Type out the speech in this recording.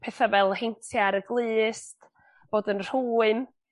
Petha fel heintia' ar y glust, fod yn rhwym.